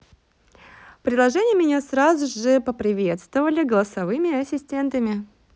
приложение меня сразу же поприветствовали голосовые ассистенты